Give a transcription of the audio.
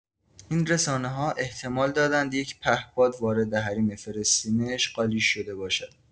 این رسانه‌ها احتمال دادند یک پهپاد وارد حریم فلسطین اشغالی شده باشد.